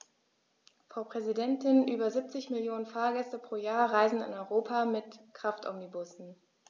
Frau Präsidentin, über 70 Millionen Fahrgäste pro Jahr reisen in Europa mit Kraftomnibussen.